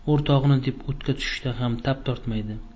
o'rtog'ini deb o'tga tushishdan xam tap tortmaydi